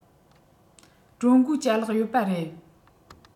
ཀྲུང གོའི ལྕ ལག ཡོད པ རེད